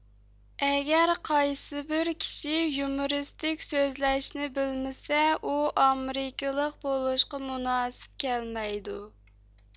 ئەگەر قايسىبىر كىشى يۇمۇرىستىك سۆزلەشنى بىلمىسە ئۇ ئامېرىكىلىق بولۇشقا مۇناسىپ كەلمەيدۇ